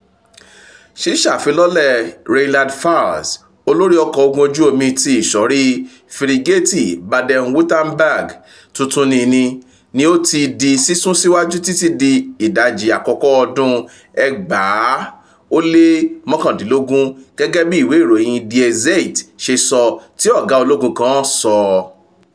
Síṣàfilọ́lẹ̀ "Rheinland-Pfalz," olórí ọkọ̀ ogun ojú omi tí ìsọ̀rí fírígéètì Baden-Wuerttemberg tuntun nini, ni ó ti di sísún ṣíwájú títi di ìdájì àkọ́kọ́ ọdún 2019, gẹ́gẹ́bi ìwé ìròyìn Die Zeit ṣe sọ tí ọgá ológun kan sọ.